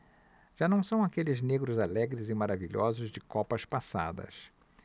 já não são aqueles negros alegres e maravilhosos de copas passadas